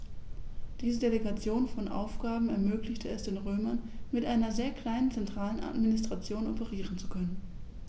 Diese Delegation von Aufgaben ermöglichte es den Römern, mit einer sehr kleinen zentralen Administration operieren zu können.